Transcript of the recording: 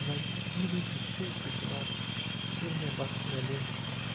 На беленькой шейке была черная бархатная ленточка